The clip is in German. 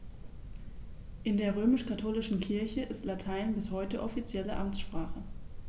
In der römisch-katholischen Kirche ist Latein bis heute offizielle Amtssprache.